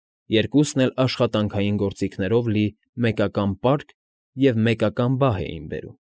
Երկուսն էլ աշխատանքային գործիքներով լի մեկական պարկ ու մեկական բահ էին բերում։